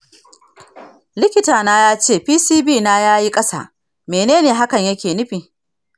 likita na yace pcv na yayi ƙasa; mene hakan yake nufi?